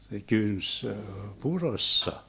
se kynti purossa